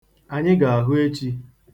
Anyị ga-ahụ echi.